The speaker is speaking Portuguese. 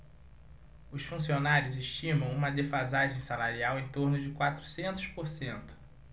os funcionários estimam uma defasagem salarial em torno de quatrocentos por cento